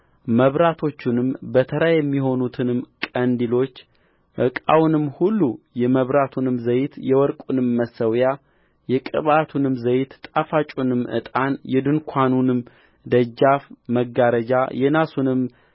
መብራቶቹንም በተራ የሚሆኑትንም ቀንዲሎች ዕቃውንም ሁሉ የመብራቱንም ዘይት የወርቁንም መሠዊያ የቅብዓቱንም ዘይት ጣፋጩንም ዕጣን የድንኳኑንም ደጃፍ መጋረጃ የናሱንም